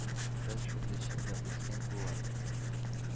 Без – шундый чорда үскән буын.